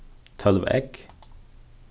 tólv egg